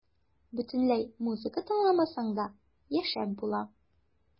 Бөтенләй музыка тыңламасаң да яшәп була.